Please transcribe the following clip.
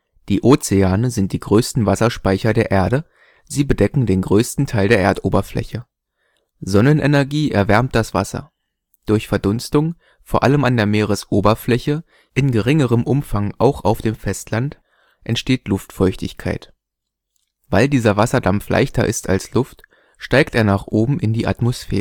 Die Ozeane sind die größten Wasserspeicher der Erde, sie bedecken den größten Teil der Erdoberfläche. Sonnenenergie erwärmt das Wasser. Durch Verdunstung, vor allem an der Meeresoberfläche, in geringerem Umfang auch auf dem Festland, entsteht Luftfeuchtigkeit. Weil dieser Wasserdampf leichter ist als Luft, steigt er nach oben in die Atmosphäre